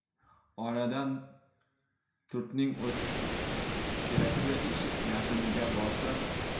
oradan turtinib o'tib kerakli eshik yaqiniga borsam